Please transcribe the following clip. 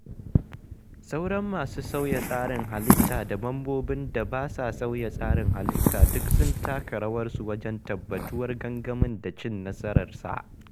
Sauran masu sauya tsarin halitta da mambobin da ba sa sauya tsarin halitta duk sun taka rawarsu wajen tabbatuwar gangamin da cin nasararsa.